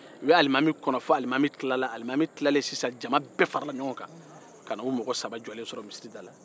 o ye alimami kɔnɔ fo alimami tilala alimami tilalen sisan jama bɛɛ farala ɲɔgɔn kan ka n'o mɔgɔ saba sɔrɔ misiri dala